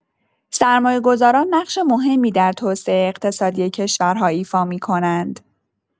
سرمایه‌گذاران نقش مهمی در توسعه اقتصادی کشورها ایفا می‌کنند.